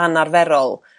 anarferol